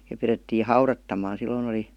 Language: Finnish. ja pidettiin haudattaman silloin oli